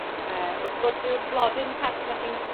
yy wrth gwrs yw'r blodyn pert 'na sy'n